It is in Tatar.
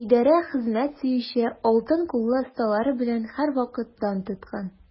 Идарә хезмәт сөюче, алтын куллы осталары белән һәрвакыт дан тоткан.